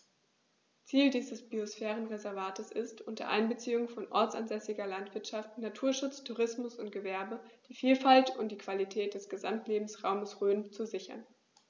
Ziel dieses Biosphärenreservates ist, unter Einbeziehung von ortsansässiger Landwirtschaft, Naturschutz, Tourismus und Gewerbe die Vielfalt und die Qualität des Gesamtlebensraumes Rhön zu sichern.